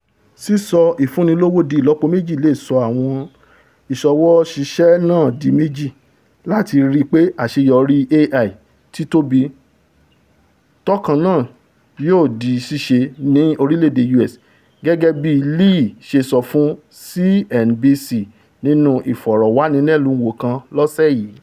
Sísọ ìfúnnilówó dí ìlọ́poméjì leè sọ àwọn ìṣọwọṣéeṣe náà di méjì láti ríi pé àṣeyọrí AI títóbi tókàn ní yóò di ṣíṣe ní orílẹ̀-èdè U.S., gẹ́gẹ́ bíi Lee ṣe sọ fún CNBC nínú ìfọ̀rọ̀wánilẹ́nuwò kan lọ̣́̀sẹ́ yìí.